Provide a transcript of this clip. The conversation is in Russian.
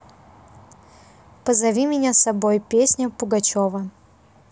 позови меня с собой песня пугачева